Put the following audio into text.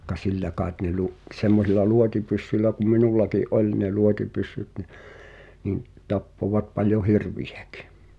- sillä kai ne - semmoisilla luotipyssyillä kun minullakin oli ne luotipyssyt niin niin tappoivat paljon hirviäkin